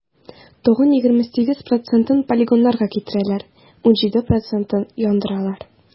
Тагын 28 процентын полигоннарга китерәләр, 17 процентын - яндыралар.